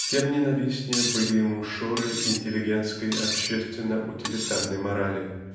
тем ненавистнее были ему шоры интеллигентской общественно-утилитарной морали